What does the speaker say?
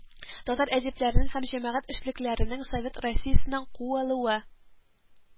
Татар әдипләренең һәм җәмәгать эшлеклеләренең совет Россиясеннән куылуы